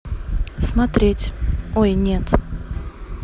смотреть ой нет